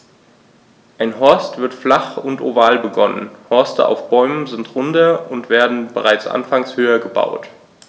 Ein Horst wird flach und oval begonnen, Horste auf Bäumen sind runder und werden bereits anfangs höher gebaut.